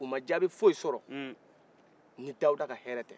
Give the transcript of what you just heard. u ma jaabi fosi sɔrɔ nin dawuda ka yɛrɛ tɛ